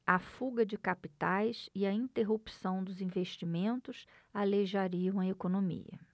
a fuga de capitais e a interrupção dos investimentos aleijariam a economia